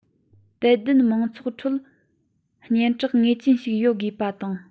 དད ལྡན མང ཚོགས ཁྲོད སྙན གྲགས ངེས ཅན ཞིག ཡོད དགོས པ དང